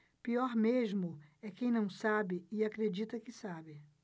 pior mesmo é quem não sabe e acredita que sabe